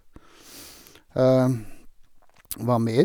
Hva mer?